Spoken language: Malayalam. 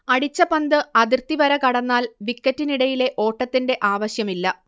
അടിച്ച പന്ത് അതിർത്തിവര കടന്നാൽ വിക്കറ്റിനിടയിലെ ഓട്ടത്തിന്റെ ആവശ്യമില്ല